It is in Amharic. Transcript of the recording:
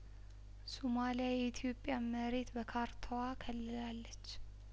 ሱማሊያ የኢትዮጵያን መሬት በካርታዋ ከልላለች